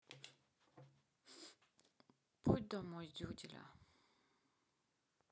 путь домой дидюля